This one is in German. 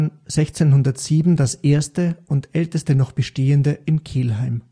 1607 das erste und älteste noch bestehende in Kelheim